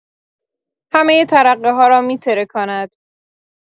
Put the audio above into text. همه ترقه‌ها را می‌ترکاند